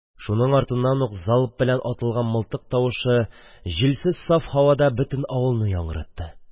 Шуның артыннан ук залп белән атылган мылтык тавышы җилсез, саф һавада бөтен авылны яңгыратты.